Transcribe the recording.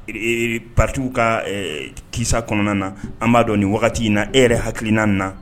Patigiw ka kisa kɔnɔna na an b'a dɔn nin wagati in na e yɛrɛ hakilikiina nin na